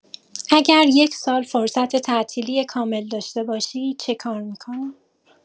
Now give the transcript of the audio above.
اگر یک سال فرصت تعطیلی کامل داشته باشی چه کار می‌کنی؟